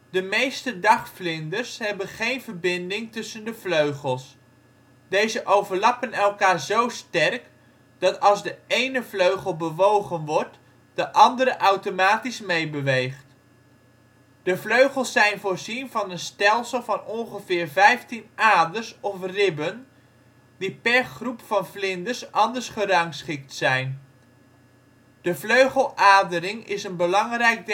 De meeste dagvlinders hebben geen verbinding tussen de vleugels; deze overlappen elkaar zo sterk dat als de ene vleugel bewogen wordt, de andere automatisch meebeweegt. De vleugels zijn voorzien van een stelsel van ongeveer 15 aders of ribben, die per groep van vlinders anders gerangschikt zijn. De vleugeladering is een belangrijk